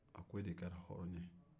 e de kɛra hɔrɔn ye